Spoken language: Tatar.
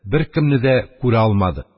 Беркемне дә [күрә] алмады.